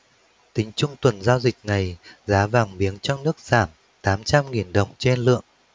tính chung tuần giao dịch này giá vàng miếng trong nước giảm tám trăm nghìn đồng trên lượng